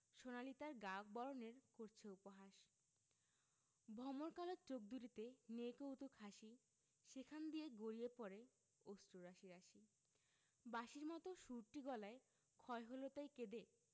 সোনালি তার গা বরণের করছে উপহাস ভমর কালো চোখ দুটিতে নেই কৌতুক হাসি সেখান দিয়ে গড়িয়ে পড়ে অশ্রু রাশি রাশি বাঁশির মতো সুরটি গলায় ক্ষয় হল তাই কেঁদে